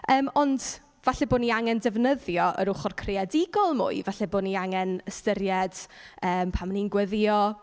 Yym, ond falle bo' ni angen defnyddio yr ochr creadigol mwy. Falle bo' ni angen ystyried yym pam 'y ni'n gweddïo.